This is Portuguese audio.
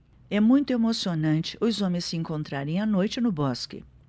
é muito emocionante os homens se encontrarem à noite no bosque